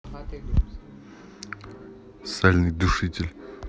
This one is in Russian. сальный душитель